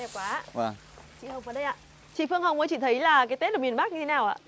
đẹp quá ạ vâng chị hồng vào đây ạ chị phương hồng ơi chị thấy là cái tết ở miền bắc như thế nào ạ